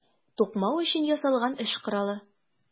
Тукмау өчен ясалган эш коралы.